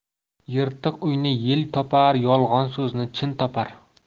yirtiq uyni yel topar yolg'on so'zni chin topar